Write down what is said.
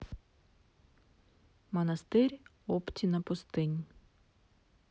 монастырь оптина пустынь